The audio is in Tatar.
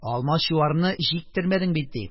Алмачуарны җиктермәдең бит, - ди.